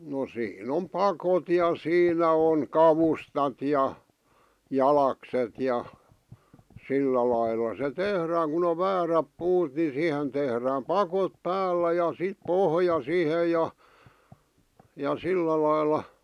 no siinä on pakot ja siinä on kavustat ja jalakset ja sillä lailla se tehdään kun on väärät puut niin siihen tehdään pakot päällä ja sitten pohja siihen ja ja sillä lailla